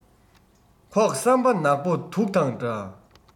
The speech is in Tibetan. ཁོག བསམ པ ནག པོ དུག དང འདྲ